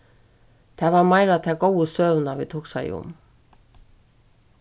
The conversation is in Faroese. tað var meira ta góðu søguna vit hugsaðu um